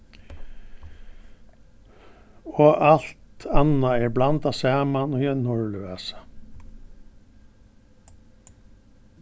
og alt annað er blandað saman í ein hurlivasa